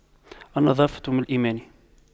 النظافة من الإيمان